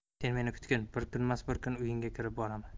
sen meni kutgin bir kunmas bir kun uyingga kirib boraman